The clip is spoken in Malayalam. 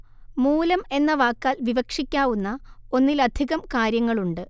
മൂലം എന്ന വാക്കാൽ വിവക്ഷിക്കാവുന്ന ഒന്നിലധികം കാര്യങ്ങളുണ്ട്